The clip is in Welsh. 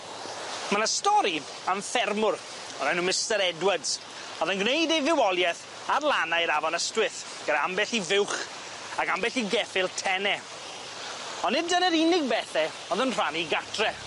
Ma' 'ny stori am ffermwr o'r enw Mister Edwards a o'dd e'n gneud ei fywolieth ar lanau'r Afon Ystwyth gyda ambell i fuwch ac ambell i geffyl tene, on' nid dyna'r unig bethe o'dd yn rhannu 'i gatre.